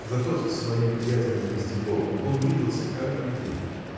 Зато с своим приятелем Костяковым он виделся каждый день.